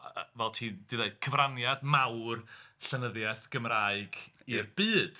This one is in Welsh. Fel ti 'di ddeud, cyfraniad mawr llenyddiaeth Gymraeg i'r byd.